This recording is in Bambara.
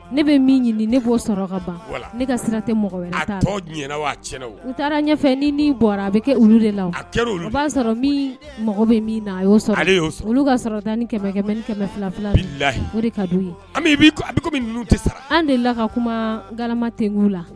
Ne bɛ min ɲini ne' sɔrɔ ka ban ne ka sira tɛ mɔgɔ u taara ɲɛfɛ ni bɔra a bɛ kɛ de la' sɔrɔ min mɔgɔ bɛ min na a sɔrɔ ka kɛmɛ kɛmɛ fila an de la ka kuma gama ten' la